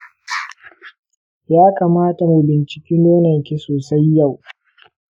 ya kamata mu binciki nononki sosai yau.